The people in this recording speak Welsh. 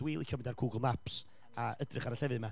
Dwi'n licio mynd ar Google Maps a edrych ar y llefydd 'ma.